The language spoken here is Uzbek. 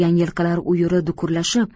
yilqilar uyuri dukurlashib